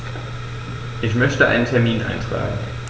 Ich möchte einen Termin eintragen.